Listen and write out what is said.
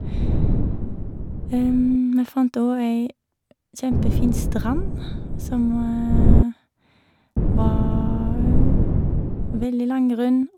Vi fant òg ei kjempefin strand som var veldig langgrunn.